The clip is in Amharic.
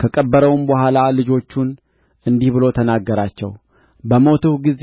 ከቀበረውም በኋላ ልጆቹን እንዲህ ብሎ ተናገራቸው በሞትሁ ጊዜ